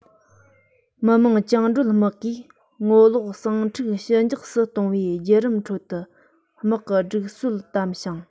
མི དམངས བཅིངས འགྲོལ དམག གིས ངོ ལོག ཟིང འཁྲུག ཞི འཇགས སུ གཏོང བའི རྒྱུད རིམ ཁྲོད དུ དམག གི སྒྲིག ཁྲིམས དམ ཞིང